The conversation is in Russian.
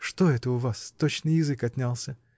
Что это у вас, точно язык отнялся?